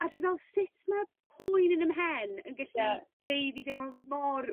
a dwi fel sut ma' poen yn 'ym mhen yn gellu... Ie. ...gneu' i fi deimlo mor